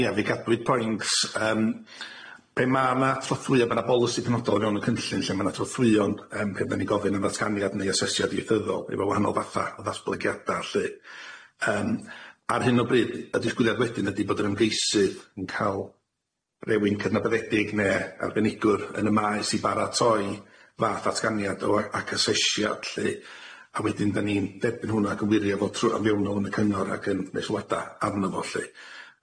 Ia fi gadwyd poincs yym pe ma' na trothwyo ma' na bolisi penodol mewn y cynllun lle ma' na trothwyon yym cefna ni gofyn am ddatganiad neu asesiad ieithyddol efo wahanol fatha o ddatblygiada lly yym ar hyn o bryd y disgwyliad wedyn ydi bod yr ymgeisydd yn ca'l rywun cydnabyddedig ne' arbenigwr yn y maes i baratoi fath atganiad o a- ac asesiad lly a wedyn dan ni'n derbyn hwnna ac yn wirio fo trw- ar fewn nw yn y cyngor ac yn ne' sylwada arno fo lly.